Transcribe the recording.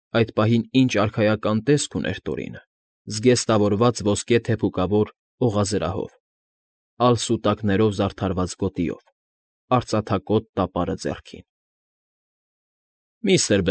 Այդ պահին ի՜նչ արքայական տեսք ուներ Տորինը՝ զգեստավորված ոսկե թեփուկավոր օղազրահով, ալսուտակներով զարդարված գոտիով, արծաթակոթ տապարը ձեռքին։ ֊ Միստր։